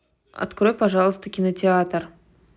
открой пожалуйста онлайн кинотеатр